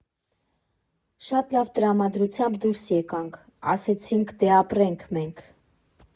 Շատ լավ տրամադրությամբ դուրս եկանք, ասեցինք՝ դե ապրենք մենք։